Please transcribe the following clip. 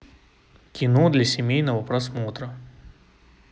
кино для семейного просмотра